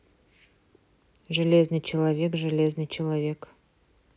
железный человек железный человек